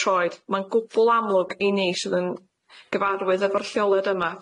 troed ma'n gwbwl amlwg i ni sydd yn gyfarwydd efo'r lleoliad yma